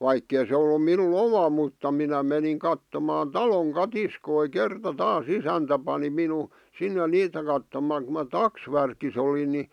vaikka ei se ollut minun oma mutta minä menin katsomaan talon katiskoja kerta taas isäntä pani minun sinne niitä katsomaan kun minä taksvärkissä olin niin